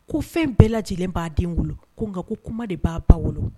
Ko fɛn bɛɛ lajɛlen b'a den wolo ko nka ko kuma de b'a ba wolo